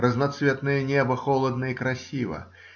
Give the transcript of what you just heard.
Разноцветное небо холодно и красиво